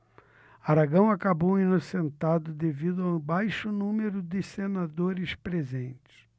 aragão acabou inocentado devido ao baixo número de senadores presentes